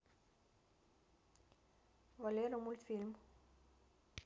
валера мультфильм